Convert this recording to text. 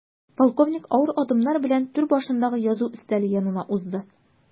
Полковник авыр адымнар белән түр башындагы язу өстәле янына узды.